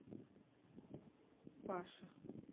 паша